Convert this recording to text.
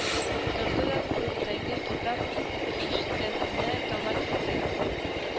Торды да түрдәге китап киштәсенә таба китте